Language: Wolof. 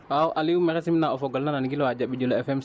Fane Faye Dia Sy